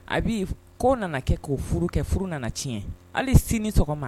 Abi, kow nana kɛ k'o furu tiɲɛ hali sini sɔgɔma